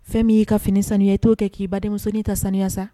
Fɛn m y'i ka fini sanu ye t'o kɛ k'i ba denmusomusonin ta saniya sa